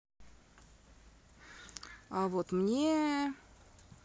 а вот мне